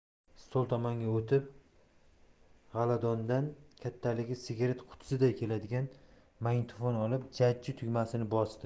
stol tomonga o'tib g'aladondan kattaligi sigaret qutisiday keladigan magnitofon olib jajji tugmasini bosdi